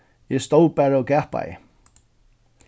eg stóð bara og gapaði